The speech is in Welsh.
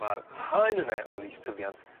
ma'r haen yne o lystyfiant